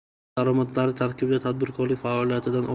aholi daromadlari tarkibida tadbirkorlik faoliyatidan